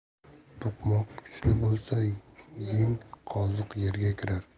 to'qmoq kuchli bo'lsa yung qoziq yerga kirar